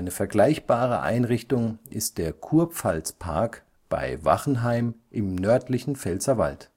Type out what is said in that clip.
vergleichbare Einrichtung ist der Kurpfalz-Park bei Wachenheim im nördlichen Pfälzerwald